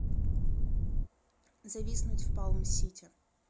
зависнуть в палм сити